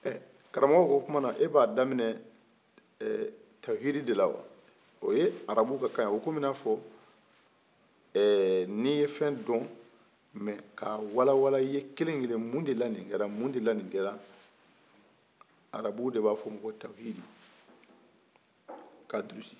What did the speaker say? karamɔgɔ ko o tumana e b'a daminɛ tafisiri de la wa o ye arabu ka kan a komi n'a fɔ ni ye fɛn dɔn nka ka wala wala i ye kelen mun de la ni kɛra arabu de b'a fo ma ko tafisiri ka durusi